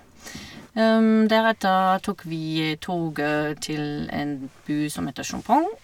Deretter tok vi toget til en by som heter Chumphon.